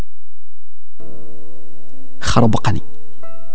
خربقا